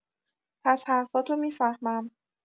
پس حرفاتو می‌فهمم